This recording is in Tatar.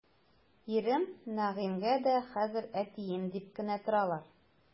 Ирем Нәгыймгә дә хәзер әтием дип кенә торалар.